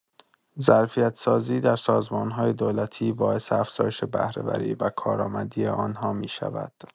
ظرفیت‌سازی در سازمان‌های دولتی باعث افزایش بهره‌وری و کارآمدی آن‌ها می‌شود.